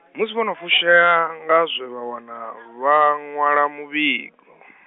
musi vho no fushea, nga zwe vha wana, vha ṅwala muvhigo .